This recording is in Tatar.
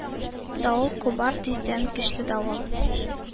Давыл кубар тиздән, көчле давыл,